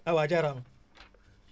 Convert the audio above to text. ah waa jaaraama